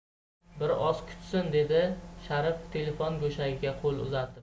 bir oz kutsin dedi sharif telefon go'shagiga qo'l uzatib